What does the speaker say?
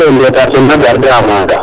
te leye ndetar tena garder a maga